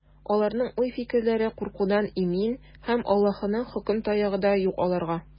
Аларның уй-фикерләре куркудан имин, һәм Аллаһының хөкем таягы да юк аларга.